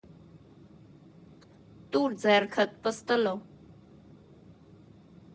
Տուր ձեռքդ, պստլո։